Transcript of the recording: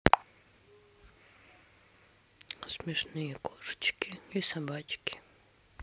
смешные кошечки и собачки